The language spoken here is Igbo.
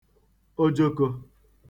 ojokō